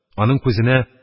Аның күзенә,